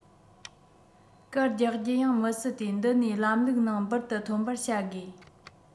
སྐར རྒྱག རྒྱུ ཡང མི སྲིད དེ འདི ནས ལམ ལུགས ནང འབུར དུ ཐོན པར བྱ དགོས